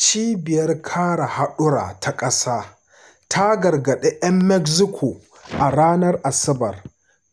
Cibiyar Kare Haɗura ta Ƙasa ta gargaɗi ‘yan Mexico a ranar Asabar